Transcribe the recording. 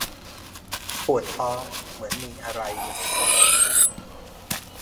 ปวดท้องเหมือนมีอะไรอยู่ในท้อง